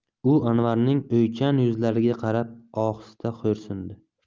u anvarning o'ychan yuzlariga qarab ohista xo'rsindi